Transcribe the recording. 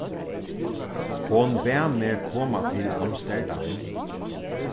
hon bað meg koma til amsterdam